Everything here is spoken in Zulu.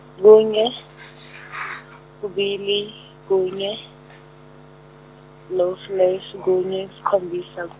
kunye , kubili, kunye, noslash kunye, isikhombisa.